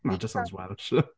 That just sounds Welsh.